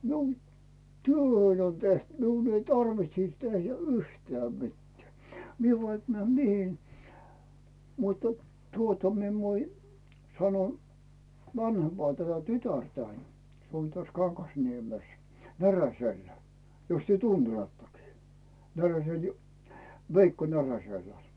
minun työni on tehty minun ei tarvitsisi tehdä yhtään mitään minä vaikka menen mihin mutta tuota minä en voi sano vanhempaa tätä tytärtäni se on tässä Kangasniemessä Näräsellä jos te tunnettekin Näräsellä - Veikko Näräsellä